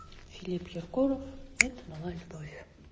филипп киркоров это была любовь